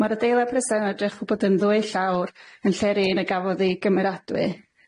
Mae'r adeilad presen- yn edrych fel bod yn ddwy llawr yn lle'r un a gafodd ei gymeradwy.